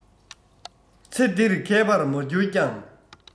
ཚེ འདིར མཁས པར མ གྱུར ཀྱང